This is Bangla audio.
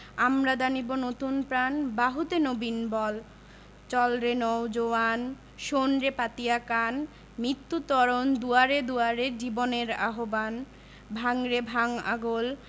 আমরা দানিব নতুন প্রাণ বাহুতে নবীন বল চল রে নও জোয়ান শোন রে পাতিয়া কান মৃত্যু তরণ দুয়ারে দুয়ারে জীবনের আহবান ভাঙ রে ভাঙ আগল